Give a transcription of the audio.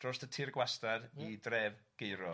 dros y tir gwastad i dref gaerog.